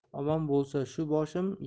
omon bo'lsa shu boshim